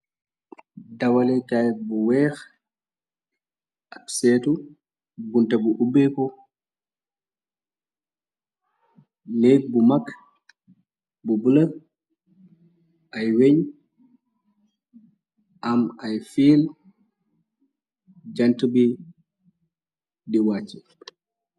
Dawalekaay bu weex ab seetu, bunte bu ubbeko. Neek bu mag bu bulo ay weñ am ay fiil , jànt bi di wàcci.